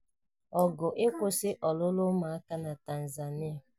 Ọgụ ịkwụsị ọlụlụ ụmụaka na Tanzania